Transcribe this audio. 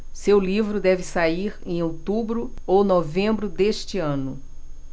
seu livro deve sair em outubro ou novembro deste ano